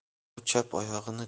u chap oyog'ini